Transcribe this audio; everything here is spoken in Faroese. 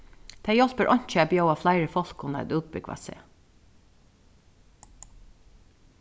tað hjálpir einki at bjóða fleiri fólkum at útbúgva seg